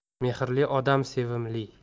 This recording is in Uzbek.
mehrli odam sevimli